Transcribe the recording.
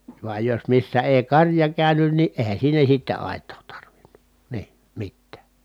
vaan jos missä ei karja käynyt niin eihän siinä sitten aitaa tarvinnut niin mitään